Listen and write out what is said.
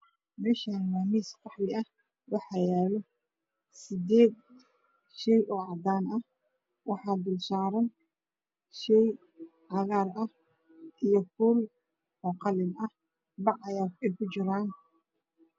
Meeshaan waa miis qaxwi ah waxaa yaalo siddeed shay oo cadaan ah waxaa dulsaaran shay cagaar ah iyo kuul oo qalin ah bac ayay kujiraan.